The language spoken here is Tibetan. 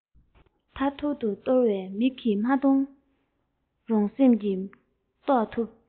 ཐར ཐོར དུ གཏོར བ མིག གིས མི མཐོང རུང སེམས ཀྱིས རྟོགས ཐུབ